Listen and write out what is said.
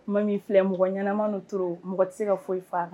Ma min filɛ mɔgɔ ɲɛnaɛnɛma to mɔgɔ tɛ se ka foyi faa